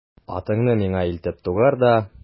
Атыңны миңа илтеп тугар да...